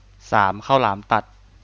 สามข้าวหลามตัด